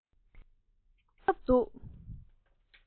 ཁྱིམ ལ སླེབས གྲབས འདུག